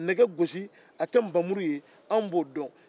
ka nɛgɛ gosi k'a kɛ npanmuru ye anw b'o dɔn